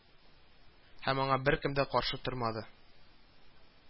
Һәм аңа беркем дә каршы тормады